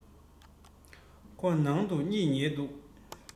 ཁོ ནང དུ གཉིད ཉལ འདུག